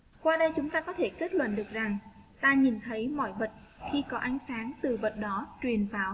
qua đây chúng ta có thể kết luận được rằng ta nhìn thấy mọi vật khi có ánh sáng từ vật đó truyền vào